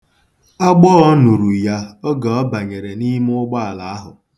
Agbọọ nuru ya oge ọ banyere n'ime ụgbọala ahụ.